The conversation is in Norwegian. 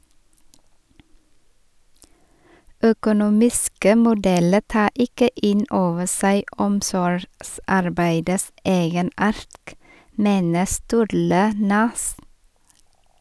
- Økonomiske modeller tar ikke inn over seg omsorgsarbeidets egenart, mener Sturle Næss.